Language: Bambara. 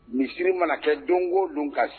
Misiri mana kɛ don o don ka